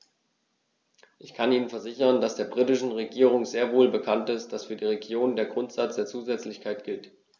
Ich kann Ihnen versichern, dass der britischen Regierung sehr wohl bekannt ist, dass für die Regionen der Grundsatz der Zusätzlichkeit gilt.